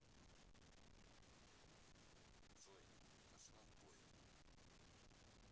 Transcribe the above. джой пошла в бойню